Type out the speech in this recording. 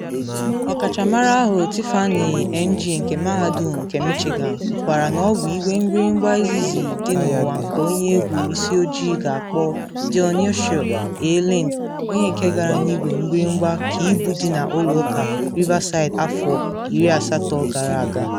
Ọkachamara ahụ, Tiffany Ng nke Mahadum nke Michigan, kwukwara na ọ bụ igwe mgbịrịmgba izizi dị n’ụwa nke onye egwu isi ojii ga-akpọ, Dionisio A. Lind, onye nke gara n’igwe mgbịrịmgba ka ibu dị na Ụlọ Ụka Riverside afọ 18 gara aga.